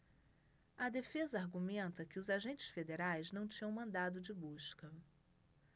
a defesa argumenta que os agentes federais não tinham mandado de busca